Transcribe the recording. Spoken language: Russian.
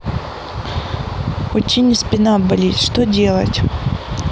у tiny спина болит что делать